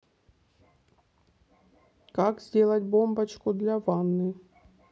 как сделать бомбочку для ванны